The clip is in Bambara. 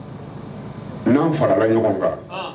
N anw fara la ɲɔgɔn kan